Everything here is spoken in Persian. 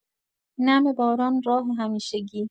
نم باران، راه همیشگی